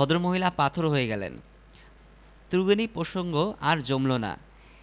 বলি একজন ফরাসি তরুণী ..................... সন্ধ্যাবেলা তার কুকুরটিকে নিয়ে পার্কে হাঁটতে গেছেন